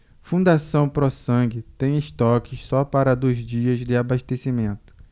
fundação pró sangue tem estoque só para dois dias de abastecimento